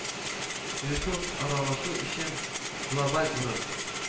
Ресур аралашу өчен глобаль урын